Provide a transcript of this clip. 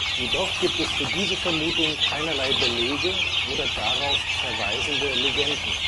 Jedoch gibt es für diese Vermutung keinerlei Belege oder darauf verweisende Legenden